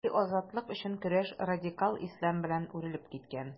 Милли азатлык өчен көрәш радикаль ислам белән үрелеп киткән.